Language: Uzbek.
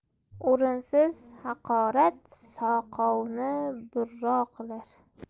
o'rinsiz haqorat soqovni burro qilar